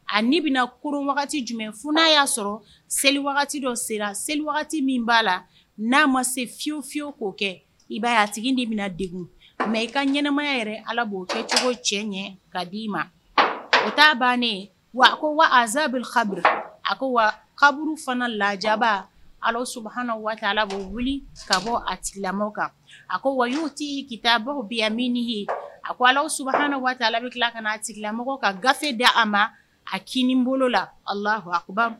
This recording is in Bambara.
A' bɛna ko wagati jumɛn f n'a y'a sɔrɔ seli wagati dɔ sera seli wagati min b'a la n'a ma se fiyewu fiyewu k'o kɛ i ba a bɛna nka i ka ɲɛnɛmaya yɛrɛ ala b'o kɛcogo cɛ ɲɛ k'a di'i ma o t taa bannen wa a ko wa azsaa kabi a ko wa kaburu fana laba ala su waati ala'o wuli ka bɔ a lamɔ kan a ko wa y'o tɛ yen ka taa baw bi min ye a ko ala suana waati bɛ tila ka a tigilamɔgɔ ka ga da a ma a k n bolo la alaba